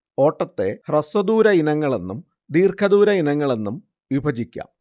ഓട്ടത്തെ ഹ്രസ്വദൂര ഇനങ്ങളെന്നും ദീർഘദൂര ഇനങ്ങളെന്നും വിഭജിക്കാം